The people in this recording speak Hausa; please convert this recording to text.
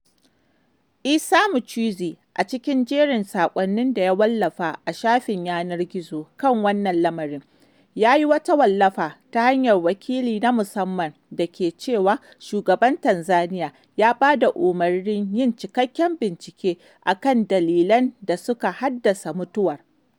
Issa Michuzi, a cikin jerin saƙonnin da ya wallafa a shafin yanar gizo kan wannan lamarin, yayi wata wallafa ta hanyar wakili na musamman da ke cewa Shugaban Tanzaniya, ya ba da umarnin yin cikakken bincike akan dalilan da suka haddasa mutuwar.